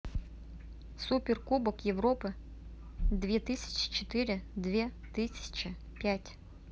суперкубок европы две тысячи четыре две тысячи пять